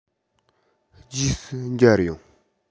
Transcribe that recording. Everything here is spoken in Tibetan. རྗེས སུ མཇལ ཡོང